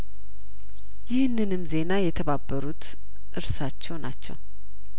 ይህንንም ዜና የተባበሩት እርሳቸው ናቸው